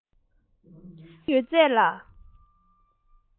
མ ནེའི བར གདོང ཡོད ཚད ལ